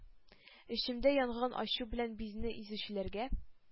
Эчемдә янган ачу белән безне изүчеләргә